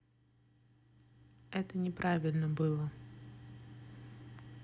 это не правильно было